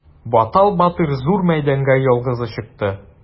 Баттал батыр зур мәйданга ялгызы чыкты.